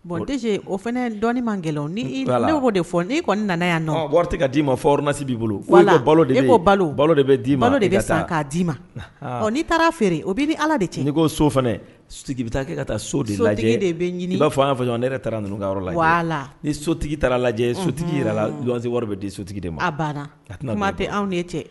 Bɔn o fana dɔni man gɛlɛn ni de fɔ n' kɔni nana yan nɔ' d'i ma fɔmasi b'i bolo balo ko balo balo bɛ d'i ma de bɛ k'a d'i ma nii taara feere o bɛ bɛ ala de ci ne ko so fanatigi bɛ taa kɛ ka taa so lajɛ e de bɛ ɲini ba fɔ' fɔ ɲɔgɔn ne taarayɔrɔ la ni sotigi lajɛ sotigi yɛrɛ la wari bɛ di sotigi de ma tɛ anw cɛ